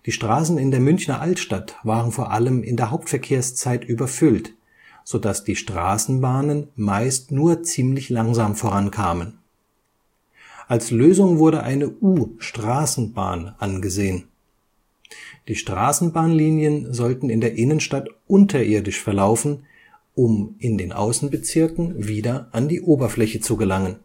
Straßen in der Münchner Altstadt waren vor allem in der Hauptverkehrszeit überfüllt, sodass die Straßenbahnen meist nur ziemlich langsam vorankamen. Als Lösung wurde eine U-Straßenbahn angesehen. Die Straßenbahnlinien sollten in der Innenstadt unterirdisch verlaufen, um in den Außenbezirken wieder an die Oberfläche zu gelangen